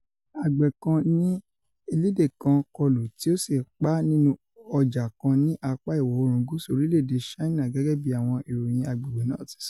Àgbẹ̀ kan ni ẹlẹ́dẹ̀ kan kọlù tí ó sì pa á nínú ọjà kan ní apá ìwọ̀-oòrùn gúúsù orílẹ̀-èdè Ṣáínà, gẹ́gẹ́bí àwọn ìròyìn agbègbè náà ti sọ.